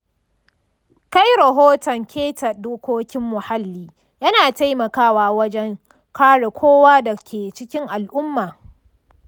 kai rahoton keta dokokin muhalli yana taimakawa wajen kare kowa da ke cikin al’umma.